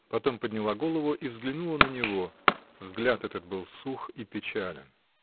Потом подняла голову и взглянула на него: взгляд этот был сух и печален.